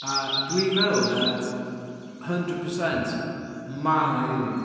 A 'dw i'n meddwl de hundred percent ma' 'na aliens.